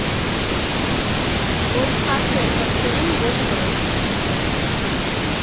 Ոչ քաշն էր հսկվում, ոչ բան։